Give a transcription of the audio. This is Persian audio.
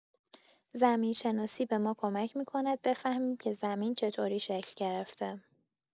زمین‌شناسی به ما کمک می‌کنه بفهمیم که زمین چطوری شکل گرفته.